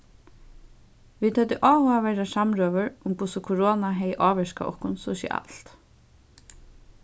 vit høvdu áhugaverdar samrøður um hvussu korona hevði ávirkað okkum sosialt